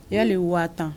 Yanli waa tan